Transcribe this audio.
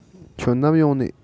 ཁྱོད ནམ ཡོང ནིས